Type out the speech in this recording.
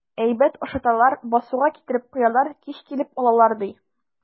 Әйбәт ашаталар, басуга китереп куялар, кич килеп алалар, ди.